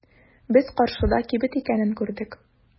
Без каршыда кибет икәнен күрдек.